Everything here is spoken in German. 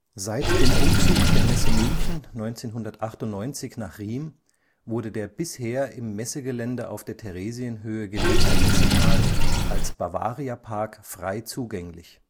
Seit dem Umzug der Messe München 1998 nach Riem wurde der bisher im Messegelände auf der Theresienhöhe gelegene Messepark als Bavariapark frei zugänglich